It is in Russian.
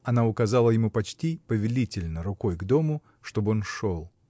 Она указала ему почти повелительно рукой к дому, чтоб он шел.